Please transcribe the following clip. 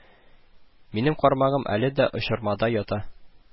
Минем кармагым әле дә очырмада ята